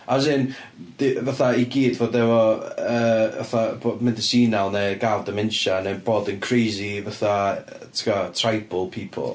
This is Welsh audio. As in di- fatha i gyd fod efo, yy, fatha bo- mynd yn senile neu gael dementia neu bod yn crazy fatha, ti'n gwbod, tribal people.